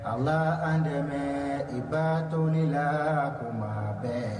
A la an dɛmɛ i ba dɔɔninni la ko ma bɛɛ